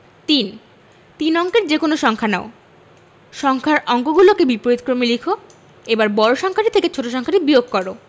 ৩ তিন অঙ্কের যেকোনো সংখ্যা নাও সংখ্যার অঙ্কগুলোকে বিপরীতক্রমে লিখ এবার বড় সংখ্যাটি থেকে ছোট সংখ্যাটি বিয়োগ কর